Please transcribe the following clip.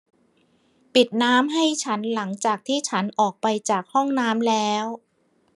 ปิดน้ำให้ฉันหลังจากที่ฉันออกไปจากห้องน้ำแล้ว